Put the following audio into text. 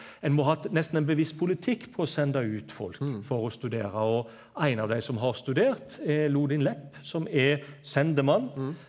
ein må ha hatt nesten ein bevisst politikk på å senda ut folk for å studere og ein av dei som har studert er Lodin Lepp som er sendemann.